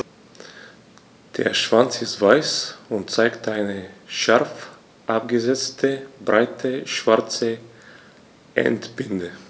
Der Schwanz ist weiß und zeigt eine scharf abgesetzte, breite schwarze Endbinde.